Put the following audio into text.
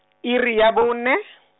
iri ya bone.